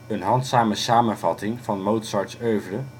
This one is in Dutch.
Een handzame samenvatting van Mozarts oeuvre